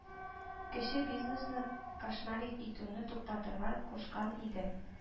Кече бизнесны “кошмарить итүне” туктатырга кушкан иде